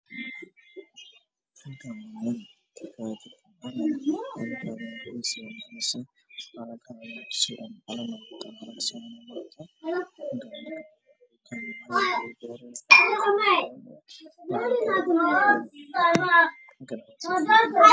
Waa niman wata dhar cadaan ah waxey gacmaha ku heestaan waramo